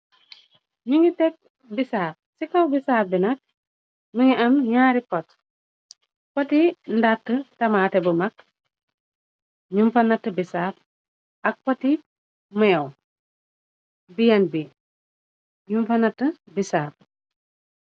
Ni ngi teg bisaab ci kaw bi saap bi nak mi ngi am ñaari pott poti ndatt tamaaté bu mag ñum fa nat bisaab ak poti mw bnb ñum fa natt bi saab.